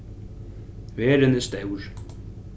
verðin er stór